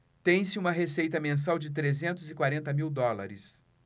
tem-se uma receita mensal de trezentos e quarenta mil dólares